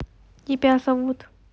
тебя зовут